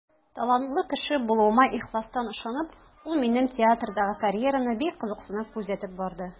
Талантлы кеше булуыма ихластан ышанып, ул минем театрдагы карьераны бик кызыксынып күзәтеп барды.